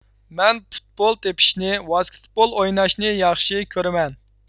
مەن پۇتبۇل تېپىشنى ۋاسكىتبول ئويناشنى ياخشى كۆرىمەن